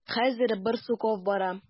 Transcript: Хәзер Барсуков бара.